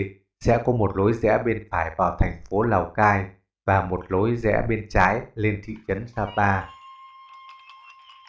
sẽ có lối giẽ bên phải vào thành phố lào cai và lối giẽ bên trái lên thị trấn sapa